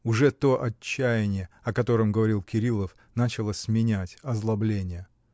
Уже то отчаяние, о котором говорил Кирилов, начало сменять озлобление.